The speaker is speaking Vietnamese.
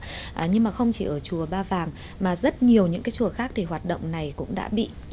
à nhưng mà không chỉ ở chùa ba vàng mà rất nhiều những cái chùa khác để hoạt động này cũng đã bị